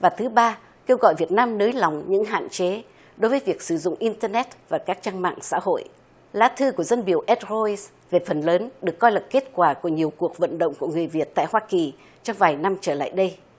và thứ ba kêu gọi việt nam nới lỏng những hạn chế đối với việc sử dụng in tơ nét và các trang mạng xã hội lá thư của dân biểu ét hôi về phần lớn được coi là kết quả của nhiều cuộc vận động của người việt tại hoa kỳ trong vài năm trở lại đây